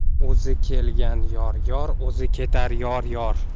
o'zi kelgan yor yor o'zi ketar yor yor